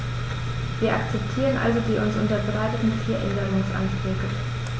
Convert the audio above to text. Wir akzeptieren also die uns unterbreiteten vier Änderungsanträge.